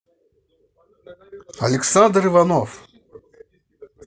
александр иванов